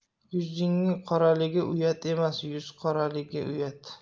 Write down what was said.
yuzning qoraligi uyat emas yuzi qoralik uyat